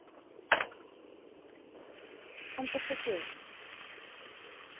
он пошутил